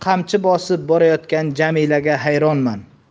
qamchi bosib borayotgan jamilaga xayronman